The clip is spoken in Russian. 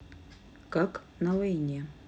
как на войне